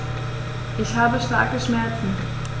Ich habe starke Schmerzen.